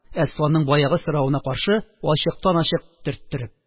Әсфанның баягы соравына каршы ачыктан-ачык төрттереп